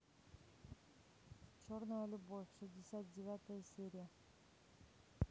черная любовь шестьдесят девятая серия